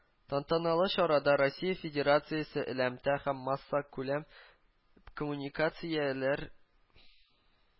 Тантаналы чарада россия федерациясе элемтә һәм массакүләм коммуникация ләр